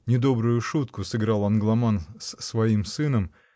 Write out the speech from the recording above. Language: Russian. Недобрую шутку сыграл англоман с своим сыном